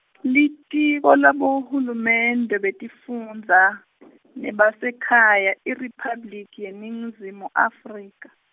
Litiko laboHulumende betifundza , nebaseKhaya IRiphabliki yeNingizimu Afrika.